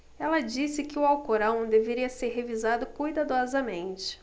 ela disse que o alcorão deveria ser revisado cuidadosamente